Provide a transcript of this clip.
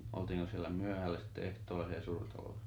oltiinko siellä myöhälle sitten ehtoolla siellä surutalossa